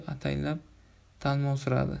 ataylab talmovsiradi